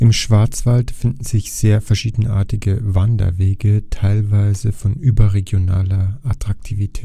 Schwarzwald finden sich sehr verschiedenartige Wanderwege, teilweise von überregionaler Attraktivität